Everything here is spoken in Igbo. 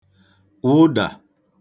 wụdà